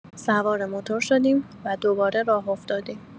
سوار موتور شدیم و دوباره راه افتادیم.